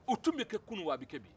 o tun bɛ kɛ kunun w'a bɛ kɛ bi